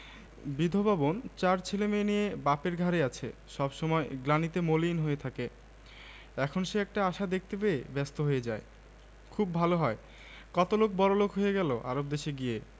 বিধবা বোন চার ছেলেমেয়ে নিয়ে বাপের ঘাড়ে আছে সব সময় গ্লানিতে মলিন হয়ে থাকে এখন সে একটা আশা দেখতে পেয়ে ব্যস্ত হয়ে যায় খুব ভালো হয় কত লোক বড়লোক হয়ে গেল আরব দেশে গিয়ে